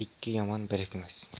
ikki yomon birikmas